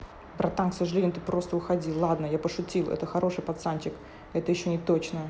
братан к сожалению ты просто уходи ладно я пошутил это хороший пацанчик это еще не точно